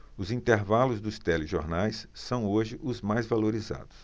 os intervalos dos telejornais são hoje os mais valorizados